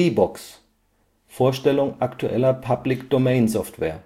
Box: Vorstellung aktueller Public-Domain-Software